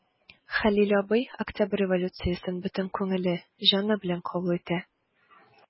Хәлил абый Октябрь революциясен бөтен күңеле, җаны белән кабул итә.